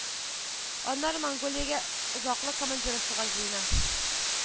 Аннары Монголиягә озаклы командировкага җыена